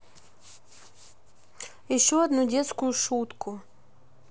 еще одну детскую шутку